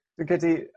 fi'n credu